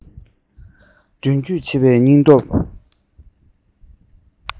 མདུན སྐྱོད བྱེད པའི སྙིང སྟོབས